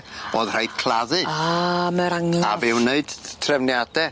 O'dd rhaid claddu. Ah ma'r angladd. A fe wneud t- trefniade.